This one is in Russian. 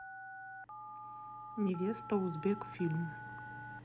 невеста узбекфильм